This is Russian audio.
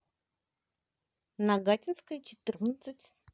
нагатинская четырнадцать